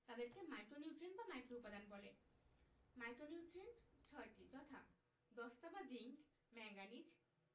তাদেরকে মাইক্রোনিউট্রিয়েন্ট বা মাইক্রোউপাদান বলে মাইক্রোনিউট্রিয়েন্ট ৬টি যথা দস্তা বা জিংক ম্যাংগানিজ